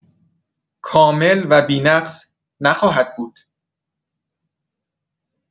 کامل و بی‌نقص نخواهد بود.